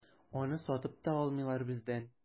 Аны сатып та алмыйлар бездән.